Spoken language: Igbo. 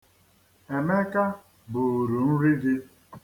Emeka buuru nri gị.